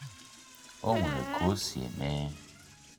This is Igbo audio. O nwere ka o si eme.